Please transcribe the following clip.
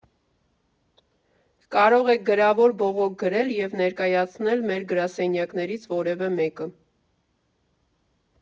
Կարող եք գրավոր բողոք գրել և ներկայացնել մեր գրասենյակներից որևէ մեկը…